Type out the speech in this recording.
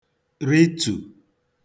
rịtù